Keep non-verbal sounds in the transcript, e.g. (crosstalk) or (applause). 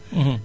(hesitation) (hesitation)